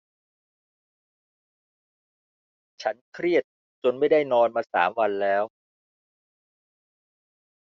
ฉันเครียดจนไม่ได้นอนมาสามวันแล้ว